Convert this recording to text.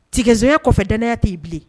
Tigaso kɔfɛdaya tɛ'i bilen